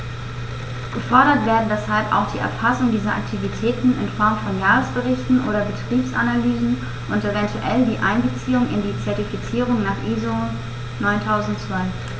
Gefordert werden deshalb auch die Erfassung dieser Aktivitäten in Form von Jahresberichten oder Betriebsanalysen und eventuell die Einbeziehung in die Zertifizierung nach ISO 9002.